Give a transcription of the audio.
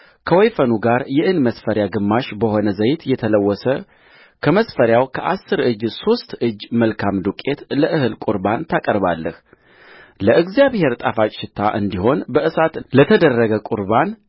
ከወይፈኑ ጋር የኢን መስፈሪያ ግማሽ በሆነ ዘይት የተለወሰ ከመስፈሪያው ከአሥር እጅ ሦስት እጅ መልካም ዱቄት ለእህል ቍርባን ታቀርባለህለእግዚአብሔር ጣፋጭ ሽታ እንዲሆን በእሳት ለተደረገ ቍርባን